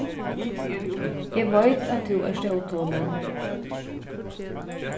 eg veit at tú ert ótolin